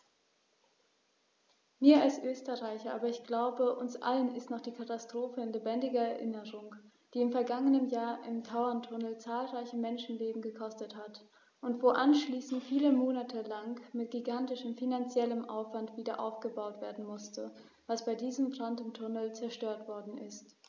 Mir als Österreicher, aber ich glaube, uns allen ist noch die Katastrophe in lebendiger Erinnerung, die im vergangenen Jahr im Tauerntunnel zahlreiche Menschenleben gekostet hat und wo anschließend viele Monate lang mit gigantischem finanziellem Aufwand wiederaufgebaut werden musste, was bei diesem Brand im Tunnel zerstört worden ist.